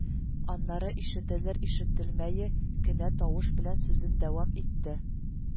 Аннары ишетелер-ишетелмәе кенә тавыш белән сүзен дәвам итте: